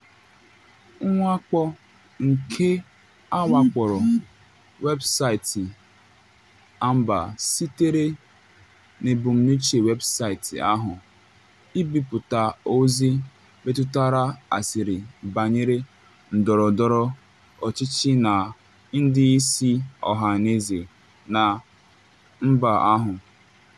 Mwakpo nke a wakporo webụsaịtị Anbaa sitere n'ebumnuche webụsaịtị ahụ ibipụta ozi metụtara asịrị banyere ndọrọndọrọ ọchịchị na ndị isi ọhanaeze na mba ahụ.